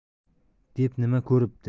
deb nima ko'ribdi